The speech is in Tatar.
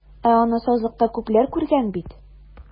Ә аны сазлыкта күпләр күргән бит.